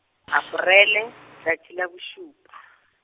Aparele, tšatši la bošupa.